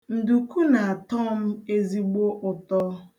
Nduku na-atọ m ezigbo ụtọ.